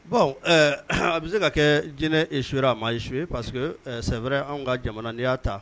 Bon a bɛ se ka kɛ jinɛ ye suur a ma ye suye parce que sɛɛrɛ anw ka jamana' y'a ta